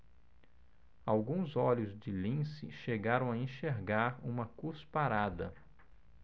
alguns olhos de lince chegaram a enxergar uma cusparada